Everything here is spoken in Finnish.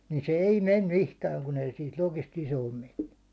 niin se ei mene mihinkään kun ei siitä lokista isoon mennyt